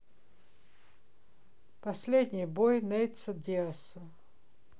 последний бой нейта диаса